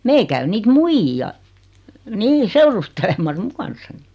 meillä käy niitä muijia niin seurustelemassa minun kanssani